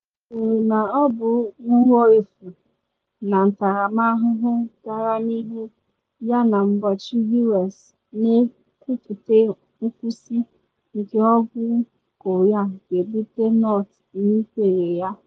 Ri kwuru na ọ bụ “nrọ efu” na ntaramahụhụ gara n’ihu yana mgbochi U.S. na nkwupute nkwụsị nke Ọgụ Korea ga-ebute North n’ikpere ya.